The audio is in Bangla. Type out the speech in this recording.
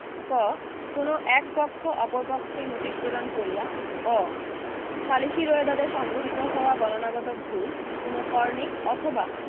ক কোন এক পক্ষ অপর পক্ষকে নোটিশ প্রদান করিয়া অ সালিসী রোয়েদাদে সংঘটিত হওয়া গণনাগত ভুল কোন করণিক অথবা